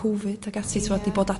cofid ag ati t'mod 'di bod